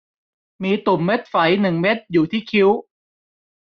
มีตุ่มเม็ดไฝหนึ่งเม็ดอยู่ที่คิ้ว